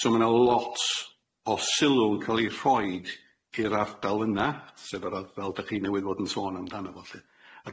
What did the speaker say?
So ma' na lot o sylw yn ca'l ei rhoid i'r ardal yna sef yr ardal fel dych chi newydd fod yn sôn amdano fo 'lly.